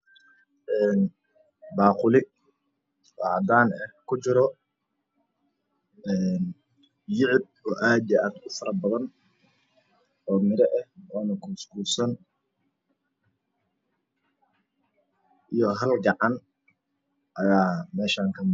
Een baaquli oo caddaan eh ku jiro yicib oo aad u fara badan oo miro eh oona kuuskuusan iyo hal gacan ayaa meeshaan ka muuqato